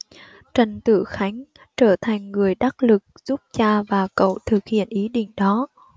trần tự khánh trở thành người đắc lực giúp cha và cậu thực hiện ý định đó